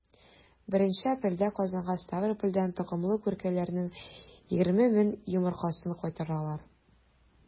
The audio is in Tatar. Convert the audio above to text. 1 апрельдә казанга ставропольдән токымлы күркәләрнең 20 мең йомыркасын кайтаралар.